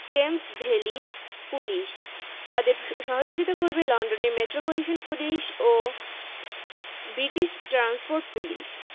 Thames valley police তাঁদের সহযোগিতা করবে লন্ডনের মেট্রোপলিটন পুলিশ ও ব্রিটিশ ট্রান্সপোর্ট পুলিশ